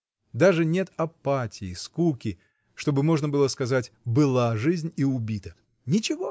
Даже нет апатии, скуки, чтоб можно было сказать: была жизнь и убита — ничего!